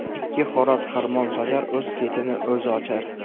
ikki xo'roz xirmon sochar o'z ketini o'zi ochar